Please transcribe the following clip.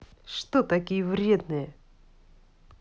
что такие вредные